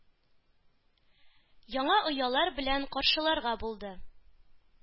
Яңа оялар белән каршыларга булды.